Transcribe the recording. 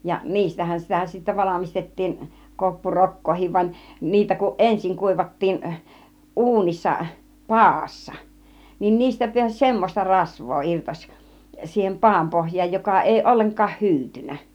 ja niistähän sitä sitten valmistettiin - koppurokkaakin vaan niitä kun ensin kuivattiin uunissa padassa niin niistä pääsi semmoista rasvaa irtosi siihen padan pohjaan joka ei ollenkaan hyytynyt